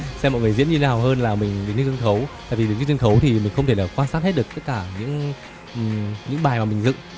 xem mọi người diễn như thế nào hơn là mình đứng trên sân khấu tại vì đứng trên sân khấu thì mình không thể nào quan sát hết được tất cả những những bài mình mà dựng